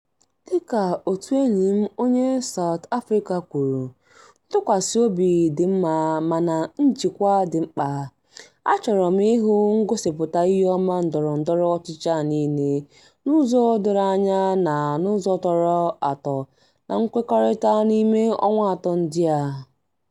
Dịka otu enyi m onye South Africa kwuru: “Ntụkwasịobi dị mma, mana njikwa dị mkpa!” [..] A chọrọ m ịhụ ngosipụta iheọma ndọrọndọrọ ọchịchị a niile n'ụzọ doro anya na n'ụzọ tọrọ atọ̀ na nkwekọrịta n'ime ọnwa atọ ndị a!